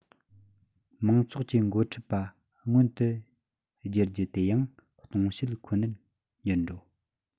མང ཚོགས ཀྱི འགོ ཁྲིད པ མངོན དུ བསྒྱུར རྒྱུ དེ ཡང སྟོང བཤད ཁོ ནར འགྱུར འགྲོ